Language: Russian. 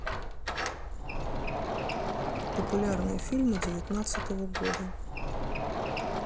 популярные фильмы девятнадцатого года